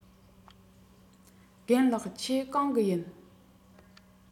རྒན ལགས ཁྱེད གང གི ཡིན